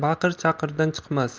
baqir chaqirdan chiqmas